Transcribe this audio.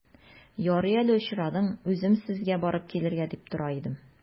Ярый әле очрадың, үзем сезгә барып килергә дип тора идем.